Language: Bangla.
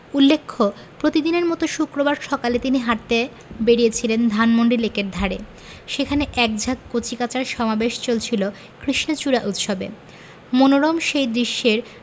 উল্লেখ্য প্রতিদিনের মতো শুক্রবার সকালে তিনি হাঁটতে বেরিয়েছিলেন ধানমন্ডি লেকের ধারে সেখানে এক ঝাঁক কচিকাঁচার সমাবেশ চলছিল কৃষ্ণচূড়া উৎসবে মনোরম সেই দৃশ্যের